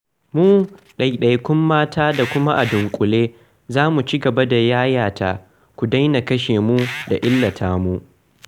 Mu, ɗaiɗaikun mata, da kuma a dunƙule, za mu cigaba da yayata "ku daina kashe mu" da "illata mu".